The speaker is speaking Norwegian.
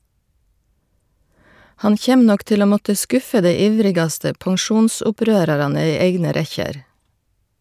Han kjem nok til å måtte skuffe dei ivrigaste pensjonsopprørarane i eigne rekkjer.